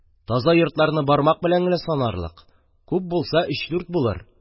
Таза йортларны бармак белән санарлык, күп булса өч-дүрт булыр